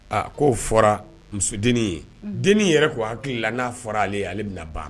Aaa k'o fɔra muso dennin ye dennin yɛrɛ ko hakili la n'a fɔra ale ye ale bɛna na ba